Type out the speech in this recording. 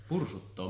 pursuttaa